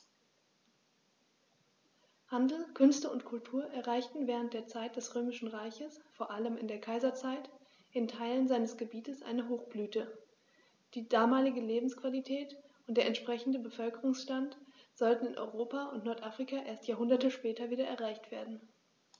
Handel, Künste und Kultur erreichten während der Zeit des Römischen Reiches, vor allem in der Kaiserzeit, in Teilen seines Gebietes eine Hochblüte, die damalige Lebensqualität und der entsprechende Bevölkerungsstand sollten in Europa und Nordafrika erst Jahrhunderte später wieder erreicht werden.